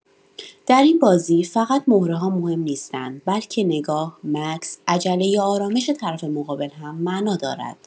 در این بازی فقط مهره‌ها مهم نیستند، بلکه نگاه، مکث، عجله یا آرامش طرف مقابل هم‌معنا دارد.